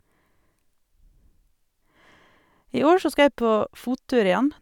I år så skal jeg på fottur igjen.